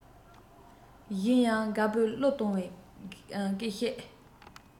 གཞན ཡང དགའ པོའི གླུ གཏོང བའི སྐད ཤེད